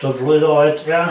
Dyflwydd oed ia?